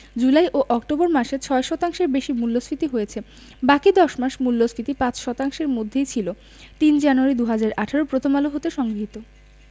জুলাই ও অক্টোবর মাসে ৬ শতাংশের বেশি মূল্যস্ফীতি হয়েছে বাকি ১০ মাস মূল্যস্ফীতি ৫ শতাংশের মধ্যেই ছিল ০৩ জানুয়ারি ২০১৮ প্রথম আলো হতে সংগৃহীত